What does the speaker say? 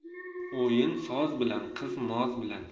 o'yin soz bilan qiz noz bilan